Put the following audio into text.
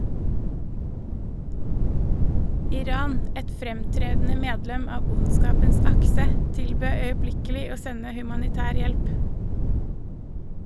Iran, et fremtredende medlem av ondskapens akse , tilbød øyeblikkelig å sende humanitær hjelp.